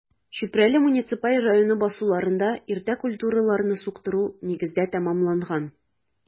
Чүпрәле муниципаль районы басуларында иртә культураларны суктыру нигездә тәмамланган.